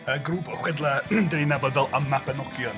Grŵp o chwedlau dan ni'n 'nabod fel Y Mabinogion.